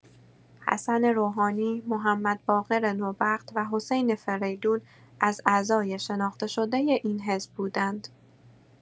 حسن روحانی، محمدباقر نوبخت و حسین فریدون از اعضای شناخته‌شده این حزب بودند.